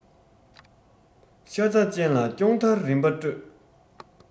ཤ ཚ ཅན ལ སྐྱོང མཐར རིམ པར སྤྲོད